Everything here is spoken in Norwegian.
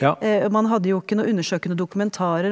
man hadde jo ikke noe undersøkende dokumentarer.